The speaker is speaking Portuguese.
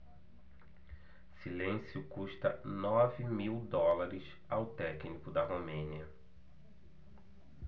silêncio custa nove mil dólares ao técnico da romênia